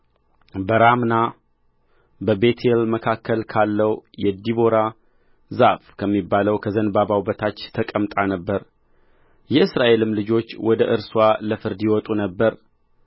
በራማና በቤቴል መካከል ካለው የዲቦራ ዛፍ ከሚባለው ከዘንባባው በታች ተቀምጣ ነበር የእስራኤልም ልጆች ወደ እርስዋ ለፍርድ ይወጡ ነበር